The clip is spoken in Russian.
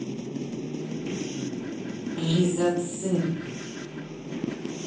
лизоцим